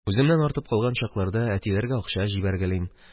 Үземнән артып калган чакларда, әтиләргә акча җибәргәлим.